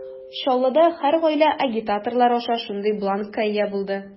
Чаллыда һәр гаилә агитаторлар аша шундый бланкка ия булды.